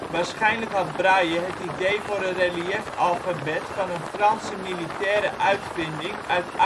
Waarschijnlijk had Braille het idee voor een reliëfalfabet van een Franse militaire uitvinding uit